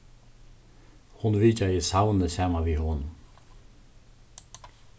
hon vitjaði savnið saman við honum